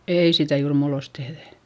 ei sitä juuri muulloin tehdä